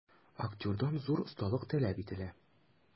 Актердан зур осталык таләп ителә.